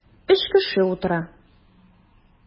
Өч кеше утыра.